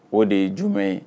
O de ye jumɛn ye